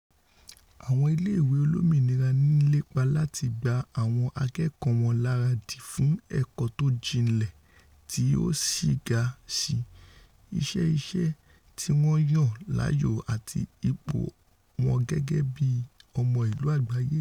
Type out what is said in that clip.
Àwọn ilé ìwé olómìnira ńlépa láti gba àwọn akẹ́kọ̀ọ́ wọn lárádi fún ẹ̀kọ́ tójinlẹ̀ tí o síga síi, iṣẹ́-ìṣe tíwọ́n yàn láàyò àti ipò wọn gẹ̵́gẹ́bí ọmọ ìlú àgbáyé.